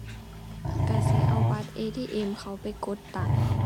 ก็สิเอาบัตร ATM เข้าไปกดตัง